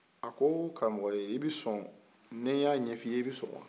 a ko karamɔgɔ i bɛ sɔn n'i y'a ɲɛfɔ i ye e bɛ sɔn wa